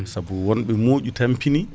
saabu won ɓe moƴu tampini